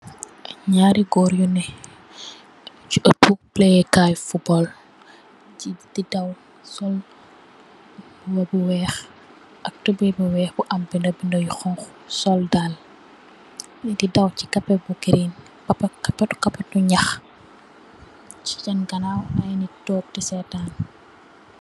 Ñaari gór yu neh ci attu play Kay futbol di daw sol mbuba bu wèèx ak tubay bu wèèx bu am bindé bindé yu xonxu sol dàlla ñu ngi daw ci kapet bu green, kapet tu ñax ci sèèn ganaw ay nit tóóg di sèètan.